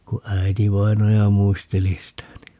kun äitivainaja muisteli sitä niin